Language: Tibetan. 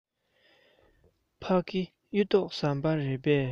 ཕ གི གཡུ ཐོག ཟམ པ རེད པས